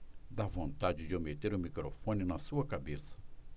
dá vontade de eu meter o microfone na sua cabeça